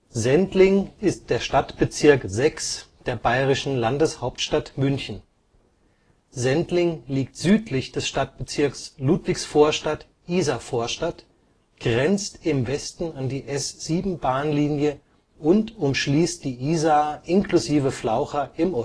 Sendling ist der Stadtbezirk 6 der bayerischen Landeshauptstadt München. Sendling liegt südlich des Stadtbezirks Ludwigsvorstadt-Isarvorstadt, grenzt im Westen an die S7-Bahnlinie und umschließt die Isar inklusive Flaucher im